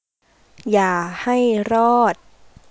อย่าให้รอด